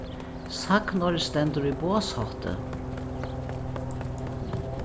sagnorðið stendur í boðshátti